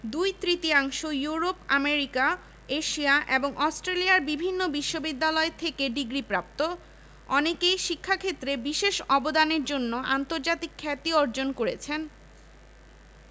দুই তৃতীয়াংশ Europe America Asia এবং অস্ট্রেলিয়ার বিভিন্ন বিশ্ববিদ্যালয় থেকে ডিগ্রিপ্রাপ্ত অনেকেই শিক্ষাক্ষেত্রে বিশেষ অবদানের জন্য আন্তর্জাতিক খ্যাতি অর্জন করেছেন